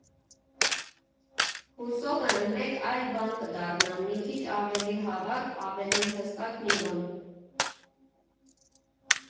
Հուսով եմ՝ մեկ այլ բան կդառնա, մի քիչ ավելի հավաք, ավելի հստակ մի բան։